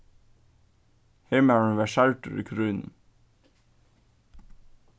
hermaðurin varð særdur í krígnum